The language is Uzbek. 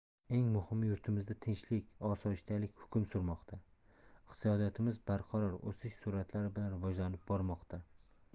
eng muhimi yurtimizda tinchlik osoyishtalik hukm surmoqda iqtisodiyotimiz barqaror o'sish sur'atlari bilan rivojlanib bormoqda